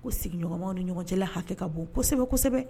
Ko sigiɲɔgɔnmaw ni ɲɔgɔncɛla hakɛ ka bon kosɛbɛ kosɛbɛ